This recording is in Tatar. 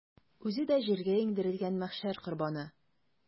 Үзе дә җиргә иңдерелгән мәхшәр корбаны.